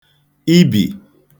ibì